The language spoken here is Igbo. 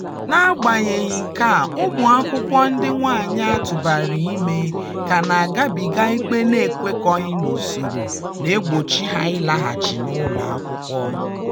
Na-agbanyeghị nke a, ụmụakwukwọ ndị nwaanyị a tụbara ime ka na-agabiga ikpe nke na-ekwekọghị n'usoro na-egbochi ha ịlaghachi ụlọakwụkwọ.